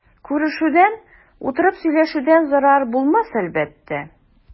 Күрешүдән, утырып сөйләшүдән зарар булмас әлбәттә.